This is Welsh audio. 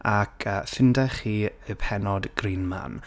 Ac yy ffeindiwch chi y pennod Green Man.